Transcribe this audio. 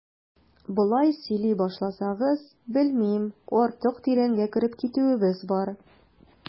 Болай сөйли башласагыз, белмим, артык тирәнгә кереп китүебез бар.